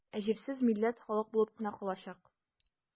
Ә җирсез милләт халык булып кына калачак.